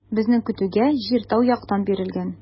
Безнең көтүгә җир тау яктан бирелгән.